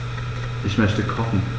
Ich möchte kochen.